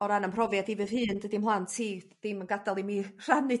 o ran'ym mhrofiad i fy hun dydy mhlant i ddim yn gadel i mi rhannu